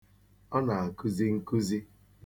Ọ na-akụzi nkụzi.